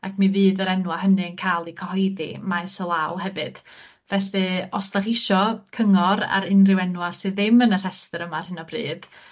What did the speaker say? ac mi fydd yr enwa' hynny'n ca'l 'u cyhoeddi maes o law hefyd felly os 'dach chi isio cyngor ar unryw enwa' sydd ddim yn y rhestyr yma ar hyn o bryd